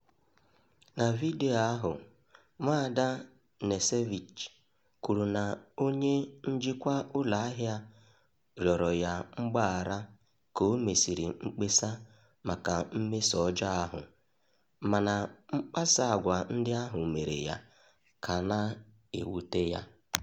Na vidiyo ahụ, Nwaada Knežević kwuru na onye njikwa ụlọ ahịa rịọrọ ya mgbaghara ka o mesịrị mkpesa maka mmeso ọjọọ ahụ, mana mkpasa àgwà ndị ahụ mere ya ka na-ewute ya.